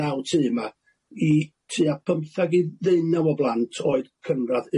naw tŷ 'ma i tua pymthag i ddeunaw o blant oed cynradd